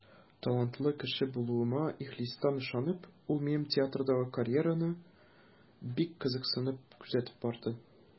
Талантлы кеше булуыма ихластан ышанып, ул минем театрдагы карьераны бик кызыксынып күзәтеп барды.